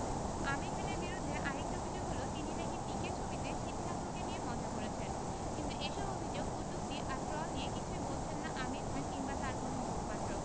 আমির খানের বিরুদ্ধে আরেকটি অভিযোগ হলো তিনি নাকি পিকে ছবিতে শিব ঠাকুরকে নিয়ে মজা করেছেন কিন্তু এসব অভিযোগ কটূক্তি আর ট্রল নিয়ে কিছুই বলছেন না আমির খান কিংবা তাঁর কোনো মুখপাত্র